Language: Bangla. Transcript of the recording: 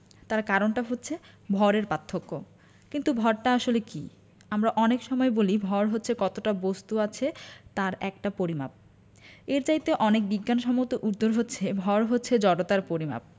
তার কারণটা হচ্ছে ভরের পার্থক্য কিন্তু ভরটা আসলে কী আমরা অনেক সময়েই বলি ভর হচ্ছে কতটা বস্তু আছে তার একটা পরিমাপ এর চাইতে অনেক বিজ্ঞানসম্মত উত্তর হচ্ছে ভর হচ্ছে জড়তার পরিমাপ